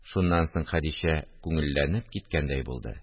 Шуннан соң Хәдичә күңелләнеп киткәндәй булды